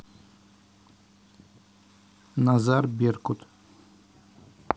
назар беркут